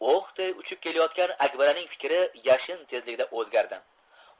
oqday uchib kelayotgan akbaraning fikri yashin tezligida o'zgardi